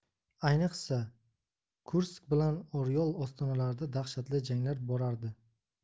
ayniqsa kursk bilan oryol ostonalarida dahshatli janglar borardi